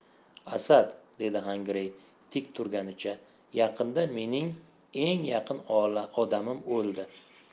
asad dedi xongirey tik turganicha yaqinda mening eng yaqin odamim o'ldi